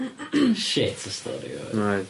Shit o stori oedd. Mi oedd.